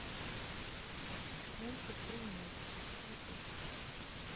мультик про енотика ютуб